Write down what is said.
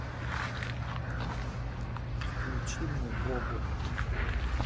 включи мне бобо